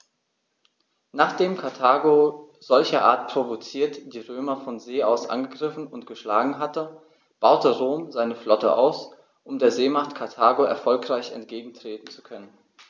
Nachdem Karthago, solcherart provoziert, die Römer von See aus angegriffen und geschlagen hatte, baute Rom seine Flotte aus, um der Seemacht Karthago erfolgreich entgegentreten zu können.